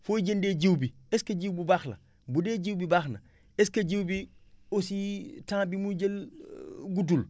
foo jëndee jiw bi est ce que jiw bu baax la bu dee jiw bi baax na est ce que jiw bi aussi temps bi muy jël guddul